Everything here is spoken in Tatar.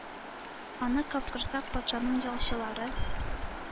Аны капкорсак патшаның ялчылары.